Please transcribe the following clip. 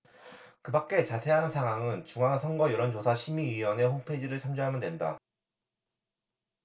그밖의 자세한 사항은 중앙선거여론조사심의위원회 홈페이지를 참조하면 된다